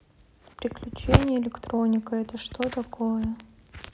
приключения электроника это что же такое